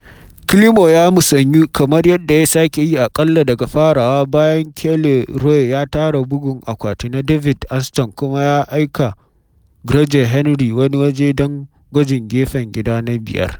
Climo ya musanyu, kamar yadda ya sake yi aƙalla daga farawa, bayan Kyle Rowe ya tara bugun akwati na David Armstrong kuma ya aika Gregor Henry wani waje don gwajin gefen gida na biyar.